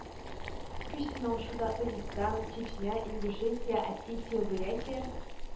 Көч сынашуда Дагестан, Чечня, Ингушетия, Осетия, Бурятия,